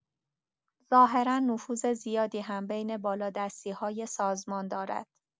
ظاهرا نفوذ زیادی هم بین بالادستی‌های سازمان دارد.